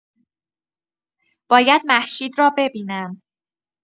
باید مهشید را ببینم.